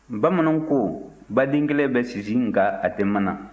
bamananw ko badenkɛlɛ bɛ sisi nka a tɛ mɛnɛ